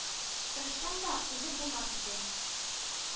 Тырышсаң да узып булмас иде